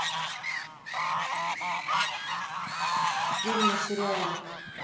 фильмы сериалы